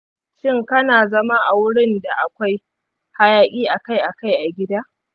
shin kana zama a wurin da akwai hayaki akai-akai a gida?